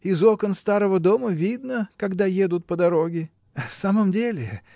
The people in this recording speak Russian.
Из окон старого дома видно, когда едут по дороге. — В самом деле.